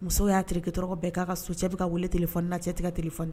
Muso y'a tike dɔrɔn bɛɛ k'a ka su cɛ bɛ ka wele t fan n na cɛtigɛ tilefan